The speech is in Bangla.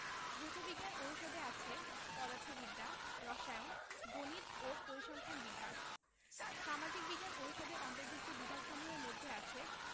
ভৌত বিজ্ঞান অনুষদে আছে পদার্থবিদ্যা রসায়ন গণিত এবং পরিসংখ্যান বিভাগ সামাজিক বিজ্ঞান অনুষদের অন্তর্ভুক্ত বিভাগসমূহের মধ্যে আছে